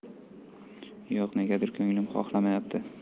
yo'q negadir ko'nglim xohlamayapti